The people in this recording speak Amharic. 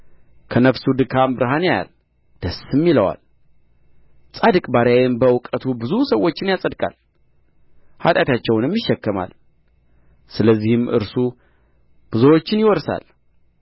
ከነፍሱ ድካም ብርሃን ያያል ደስም ይለዋል ጻድቅ ባሪያዬም በእውቀቱ ብዙ ሰዎችን ያጸድቃል ኃጢአታቸውን ይሰከማል ስለዚህም እርሱ ብዙዎችን ይወርሳል